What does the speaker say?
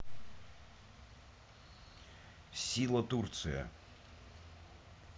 сила турция